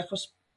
achos